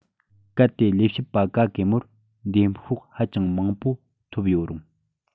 གལ ཏེ ལས བྱེད པ ག གེ མོར འདེམས ཤོག ཧ ཅང མང པོ ཐོབ ཡོད རུང